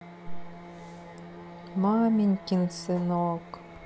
маменькин сынок